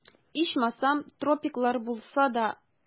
Ичмасам, тропиклар булса да...